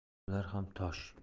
ular ham tosh